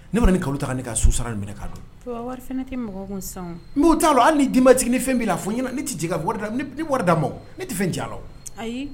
Ne kɔni ni kalo ta ne ka su sara minɛ' don wari tɛ mɔgɔ n t'a la hali ni ji ma jigin ni fɛn b' fo n ne tɛ jigin warida ni warida ma ne tɛ fɛn ja la ayi